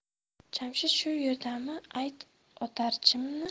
jamshid shu yerdami ayt otarchini